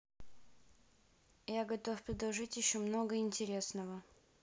я готов предложить еще много интересного